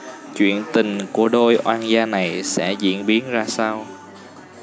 chuyện tình của đôi oan gia này sẽ diễn biến ra sao